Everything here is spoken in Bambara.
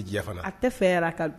A tɛ